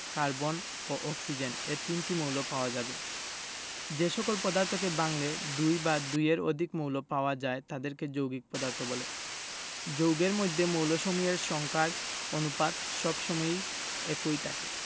carbon ও oxygen এ তিনটি মৌল পাওয়া যাবে যে সকল পদার্থকে ভাঙলে দুই বা দুইয়ের অধিক মৌল পাওয়া যায় তাদেরকে যৌগিক পদার্থ বলে যৌগের মধ্যে মৌলসমূহের সংখ্যার অনুপাত সব সময় একই থাকে